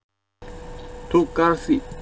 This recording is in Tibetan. གདུགས དཀར སྐྱིད